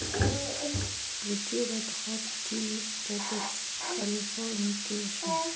включи ред хот чили пеперс калифорникейшн